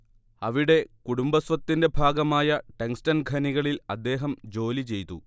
അവിടെ കുടുംബസ്വത്തിന്റെ ഭാഗമായ ടങ്ങ്സ്ടൻ ഖനികളിൽ അദ്ദേഹം ജോലിചെയ്തു